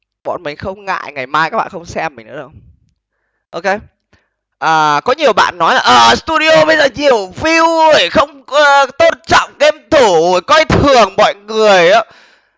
bọn mình không ngại ngày mai các bạn không xem mình nữa đâu ô kê à có nhiều bạn nói ờ sờ tu đi ô bây giờ có nhiều viu rồi không tôn trọng gêm thủ coi thường mọi người á